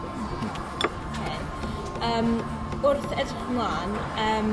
Hmm. Hm. Oce yym wrth edrych ymlan yym